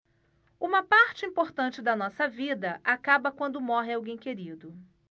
uma parte importante da nossa vida acaba quando morre alguém querido